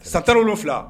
Sata wolonwula